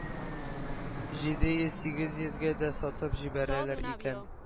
Җиде йөз сигез йөзгә дә сатып җибәрәләр икән.